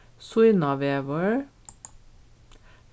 sýnávegur